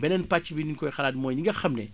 beneen pàcc bi ñiñ koy xalaat mooy ñi nga xam ne